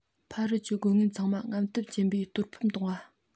ཕ རོལ གྱི རྒོལ ངན ཚང མ རྔམ སྟབས ཆེན པོས གཏོར ཕམ གཏོང བ